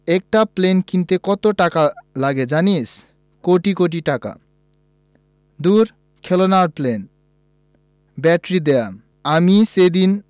একটা প্লেন কিনতে কত টাকা লাগে জানিস কোটি কোটি টাকা দূর খেলনার প্লেন ব্যাটারি দেয়া আমি সেদিন